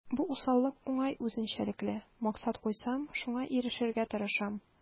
Бу усаллык уңай үзенчәлекле: максат куйсам, шуңа ирешергә тырышам.